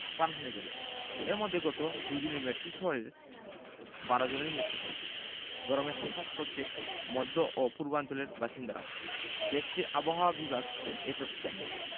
প্রাণহানি ঘটেছে এর মধ্যে গত দুদিনে মেট্রিল শহরের ১২ জনের মৃত্যু হয়েছে গরমে হাসফাঁস করছে মধ্য ও পূর্বাঞ্চলের বাসিন্দারাও দেশটির আবহাওয়া বিভাগ এ তথ্য জানিয়েছে